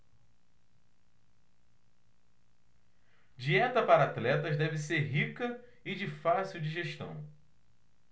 dieta para atletas deve ser rica e de fácil digestão